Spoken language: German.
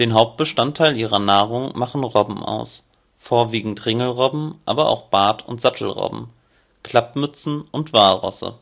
Hauptbestandteil ihrer Nahrung machen Robben aus, vorwiegend Ringelrobben, aber auch Bart - und Sattelrobben, Klappmützen und Walrosse